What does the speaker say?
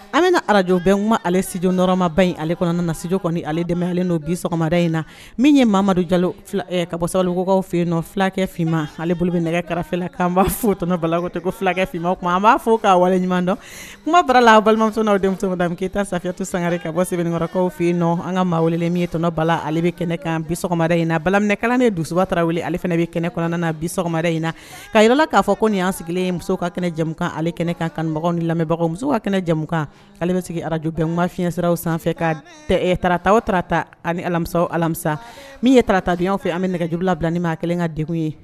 An bɛ arajobɛn kuma ale studiɔrɔmaba in ale kɔnɔna na studio kɔnɔ ni ale dɛmɛ hali n'o bi sɔgɔmada in na min yemadu jalo ka bɔsakɔ fɛ yen nɔ fulakɛfinma ale bolo bɛ nɛgɛ karafela kanba fɔ bala fulakɛfinma kuma an b'a fɔ k'a wale ɲuman dɔn kuma bara la a balimamuso n'aw denmisɛnnin denmisɛn da k ke taa sa to sangaɛrɛ ka bɔ sɛbɛnkɔrɔkaw fɛ yen nɔ an ka maa wale mintɔ bala ale bɛ kɛnɛkan bi sɔgɔmada in na baminɛkanen dusuba tarawele ale fana bɛ kɛnɛ kɔnɔnanan na bi sɔgɔmara in na ka yɛlɛla k'a fɔ ko nin anan sigilen muso ka kɛnɛ jamumukan ale kɛnɛ kan kanbagaw ni lamɛnbagaw muso ka kɛnɛ jamumu kan aleale bɛ sigi arajbɛnugan fiɲɛsiraraw sanfɛ ka tata o tata ani alamisa alamisa min ye taaratati an fɛ an bɛ nɛgɛjbula bila ni maa kelen ka denw ye